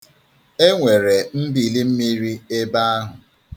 E nwere mbili mmiri ebe ahụ.